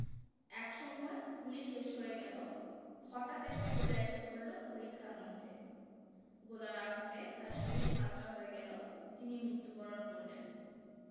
একসময় গুলি শেষ হয়ে গেল হটাৎ একটা গোলা এসে পড়ল পরিখার মধ্যে গোলার আঘাতে তার শরীর ঝাঁঝরা হয়ে গেল তিনি মৃত্যুবরণ করলেন